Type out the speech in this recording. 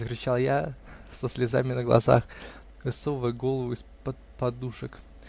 -- закричал я со слезами на глазах, высовывая голову из-под подушек.